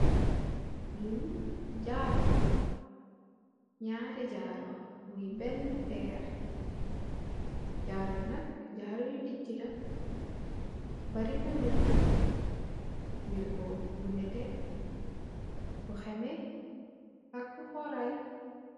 Li jaru la, ñaari jaru muy benna péér, jaru yi nak, jaru yu diggi la. Barri na wirgo, wirgo bi neteh, bu xemeh ak bu xooray .